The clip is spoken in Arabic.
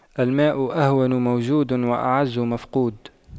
الماء أهون موجود وأعز مفقود